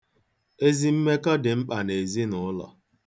Ezi mmekọ dị mkpa n'ezinụlọ.